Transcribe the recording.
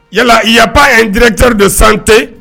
Yala yaba ye n g kirare kariri de sante